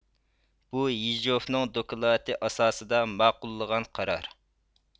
بۇ يېژوفنىڭ دوكلاتى ئاساسىدا ماقۇللىغان قارار